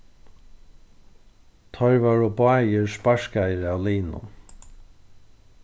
teir vóru báðir sparkaðir av liðnum